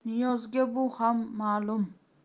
niyozga bu ham malum